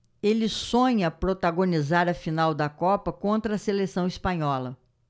ele sonha protagonizar a final da copa contra a seleção espanhola